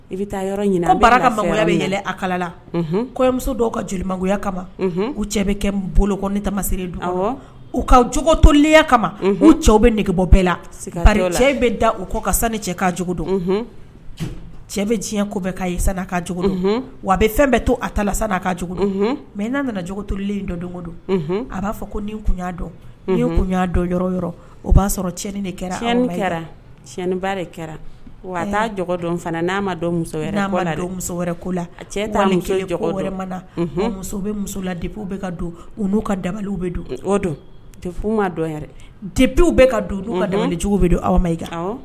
I bɛ taa yɔrɔ ɲini aya bɛ a kalala kɔmuso dɔw ka jolimakuya ka u cɛ bɛ kɛ n bolo ni tamamasirire don u ka cogo toliya kama u cɛw bɛ nɛgɛgebɔ bɛɛ la cɛ bɛ da u kɔ ka sanuni cɛ kacogo dɔn cɛ bɛ diɲɛ ko' sa cogo wa bɛ fɛn bɛ to a tala sa mɛ n' nanaogo tolilen dɔn don don a b'a fɔ ko ni kunya dɔn n kunya dɔn yɔrɔ yɔrɔ o b'a sɔrɔɲɛnin de kɛraɲɛn kɛra tiɲɛnin baara de kɛra a taa dɔn n'a ma muso wɛrɛ ko la wɛrɛ muso bɛ musolabuwu bɛ ka don u'u ka dabaliw bɛ don don ma dɔnbu bɛ ka don'u ka dabalijugu bɛ don aw ma i